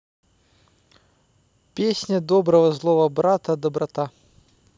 песня доброго злого брата доброта